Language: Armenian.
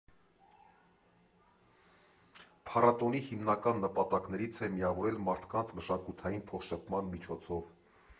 Փառատոնի հիմնական նպատակներից է միավորել մարդկանց մշակութային փոխշփման միջոցով։